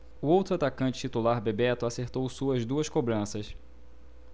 o outro atacante titular bebeto acertou suas duas cobranças